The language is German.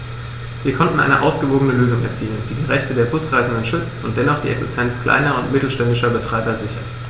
Wir konnten eine ausgewogene Lösung erzielen, die die Rechte der Busreisenden schützt und dennoch die Existenz kleiner und mittelständischer Betreiber sichert.